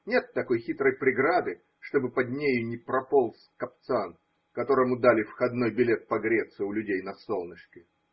Нет такой хитрой преграды, чтобы под нею не прополз кабцан, которому дали входной билет погреться у людей на солнышке.